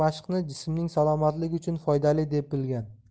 mashqni jismning salomatligi uchun foydali deb bilgan